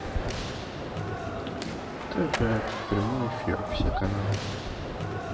тв прямой эфир все каналы